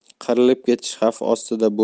qirilib ketish xavfi ostida